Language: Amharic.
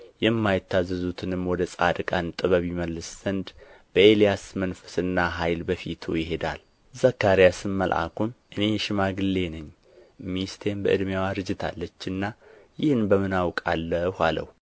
የማይታዘዙትንም ወደ ጻድቃን ጥበብ ይመልስ ዘንድ በኤልያስ መንፈስና ኃይል በፊቱ ይሄዳል ዘካርያስም መልአኩን እኔ ሽማግሌ ነኝ ምስቴም በዕድሜዋ አርጅታለችና ይህን በምን አውቃለሁ አለው